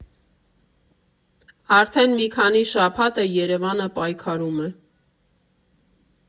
Արդեն մի քանի շաբաթ է՝ Երևանը պայքարում է։